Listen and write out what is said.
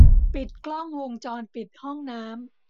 ปิดกล้องวงจรปิดห้องน้ำ